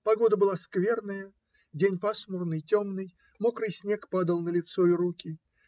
Погода была скверная, день пасмурный, темный; мокрый снег падал на лицо и руки.